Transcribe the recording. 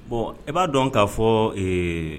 Bɔn e b'a dɔn kaa fɔ